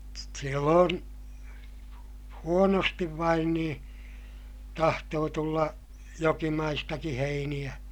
silloin huonosti vain niin tahtoi tulla jokimaistakin heiniä